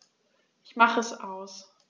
Ich mache es aus.